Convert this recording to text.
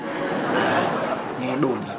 à nghe đồn là